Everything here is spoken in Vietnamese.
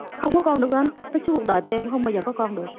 không có con được anh tới suốt cuộc đời tụi em không bao giờ có con được